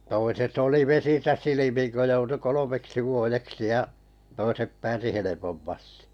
toiset oli vesissä silmin kun joutui kolmeksi vuodeksi ja toiset pääsi helpommasti